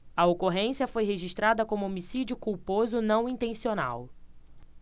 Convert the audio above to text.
a ocorrência foi registrada como homicídio culposo não intencional